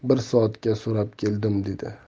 ziq bir soatga so'rab keldim dedi